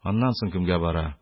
Аннан соң кемгә бара?